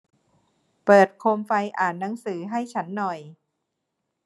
เปิดโคมไฟอ่านหนังสือให้ฉันหน่อย